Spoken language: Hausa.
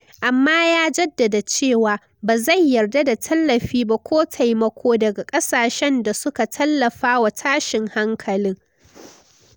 Amma, ya jaddada cewa, ba zai yarda da tallafi ba, ko taimako daga kasashen da suka tallafa wa tashin hankalin.